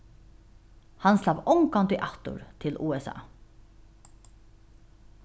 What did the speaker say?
hann slapp ongantíð aftur til usa